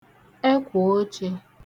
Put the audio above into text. ẹkwòochē